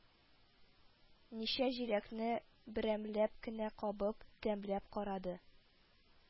Ничә җиләкне берәмләп кенә кабып, тәмләп карады